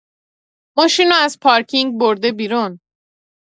ماشینو از پارکینگ برده بیرون